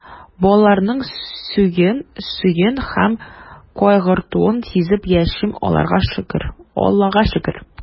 Балаларның сөюен һәм кайгыртуын сизеп яшим, Аллага шөкер.